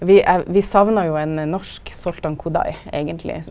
vi vi saknar jo ein norsk Zoltan Kodaly eigentleg.